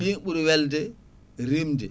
ɗin ɓuuri welde rimde